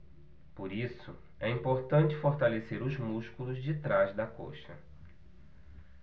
por isso é importante fortalecer os músculos de trás da coxa